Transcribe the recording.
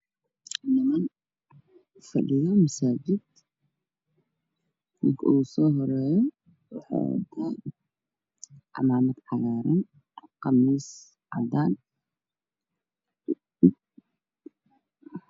Niman fadhiya masaajid ninka ugu soo horreeyo wuxuu wata camaamad cagaaran khamiis caddaan